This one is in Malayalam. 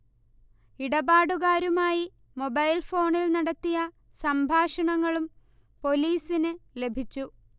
ഇടപാടുകാരുമായി മൊബൈൽഫോണിൽ നടത്തിയ സംഭാഷണങ്ങളും പോലീസിന് ലഭിച്ചു